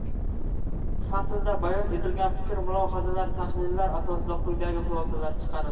faslda bayon etilgan fikr mulohazalar tahlillar asosida quyidagi xulosalar chiqarildi